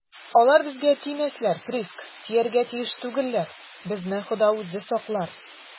- алар безгә тимәсләр, приск, тияргә тиеш түгелләр, безне хода үзе саклар.